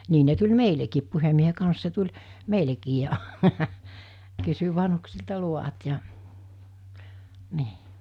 niin ne tuli meillekin puhemiehen kanssa se tuli meillekin ja kysyi vanhuksilta luvat ja niin